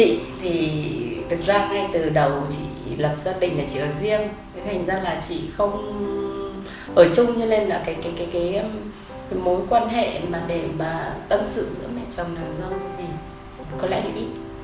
chị thì thực ra ngay từ đầu chị lập gia đình thì chị ở riêng thành ra là chị không ở chung cho nên là cái cái cái mối quan hệ mà để mà tâm sự giữa mẹ chồng nàng dâu thì có lẽ thì ít